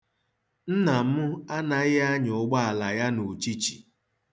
Nna m anaghị anya ụgbọala ya n'uchichi.